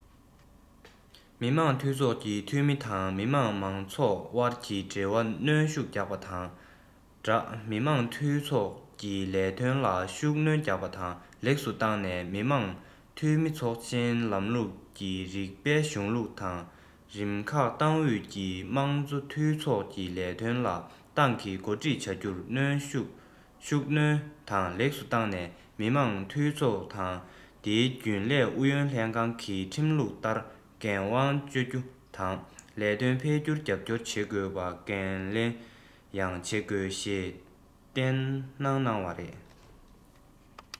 མི དམངས འཐུས ཚོགས ཀྱི འཐུས མི དང མི དམངས མང ཚོགས དབར གྱི འབྲེལ བར ཤུགས སྣོན རྒྱག པ དང སྦྲགས མི དམངས འཐུས ཚོགས ཀྱི ལས དོན ལ ཤུགས སྣོན རྒྱག པ དང ལེགས སུ བཏང ནས མི དམངས འཐུས མི ཚོགས ཆེན ལམ ལུགས ཀྱི རིགས པའི གཞུང ལུགས དང རིམ ཁག ཏང ཨུད ཀྱིས མི དམངས འཐུས ཚོགས ཀྱི ལས དོན ལ ཏང གིས འགོ ཁྲིད བྱ རྒྱུར ཤུགས སྣོན དང ལེགས སུ བཏང ནས མི དམངས འཐུས ཚོགས དང དེའི རྒྱུན ལས ཨུ ཡོན ལྷན ཁང གིས ཁྲིམས ལུགས ལྟར འགན དབང སྤྱོད རྒྱུ དང ལས དོན སྤེལ རྒྱུར རྒྱབ སྐྱོར བྱེད དགོས ལ འགན ལེན ཡང བྱེད དགོས ཞེས བསྟན གནང བ རེད